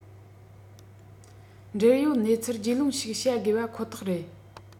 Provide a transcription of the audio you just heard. འབྲེལ ཡོད གནས ཚུལ རྒྱུས ལོན ཞིག བྱ དགོས པ ཁོ ཐག རེད